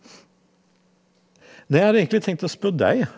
nei jeg hadde egentlig tenkt å spørre deg jeg.